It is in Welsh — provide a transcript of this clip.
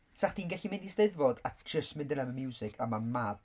'Sa chdi'n gallu mynd i 'Steddfod ac jyst mynd yna am y miwsig. A ma'n mad.